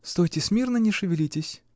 — Стойте смирно, не шевелитесь!